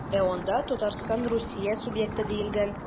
Ә анда Татарстан Русия субъекты диелгән.